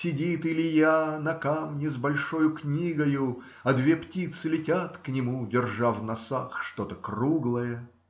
сидит Илия на камне с большою книгою, а две птицы летят к нему, держа в носах что-то круглое.